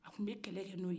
a bɛ kɛlɛ kɛ n'o ye